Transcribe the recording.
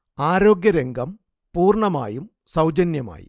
ആരോഗ്യരംഗം പൂർണ്ണമായും സൗജന്യമായി